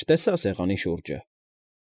Չտեսա սեղանի շուրջը։